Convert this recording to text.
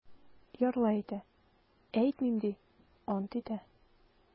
Ярлы әйтә: - әйтмим, - ди, ант итә.